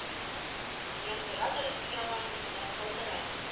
Яндырадыр ягам дисә, калдырадыр